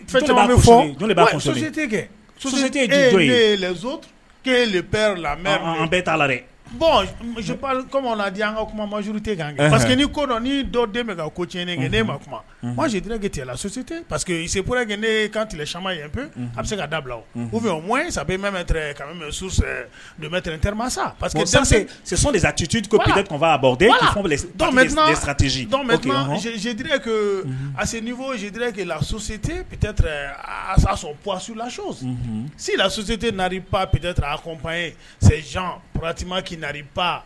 Fɛn bɛ fɔ ke le la mɛ bɛɛ la dɛ bɔn di an ka kuma maurute parce que kodɔn nii dɔ den bɛ ka ko tiɲɛn kɛ ne ma kumasitdke ti la susite paseke se ne ka tile sama pe a bɛ se ka da bila sa mɛ mɛ don sa parcese deti p que fɔzdr ke lasite psila si la susite naare pte apye ptima ke naareba